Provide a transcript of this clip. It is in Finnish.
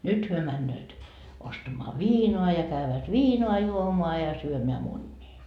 nyt he menevät ostamaan viinaa ja käyvät viinaa juomaan ja syömään munia